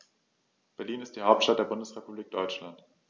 Berlin ist die Hauptstadt der Bundesrepublik Deutschland.